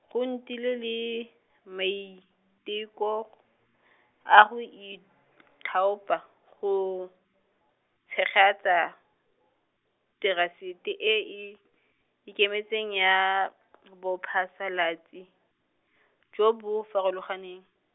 go ntile le, maiteko , a go ithaopa go, tshegetsa, Terasete e e, Ikemetseng ya Bophasalatsi, jo bo Farologaneng.